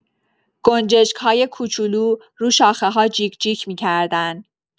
گنجشک‌های کوچولو روی شاخه‌ها جیک‌جیک می‌کردن.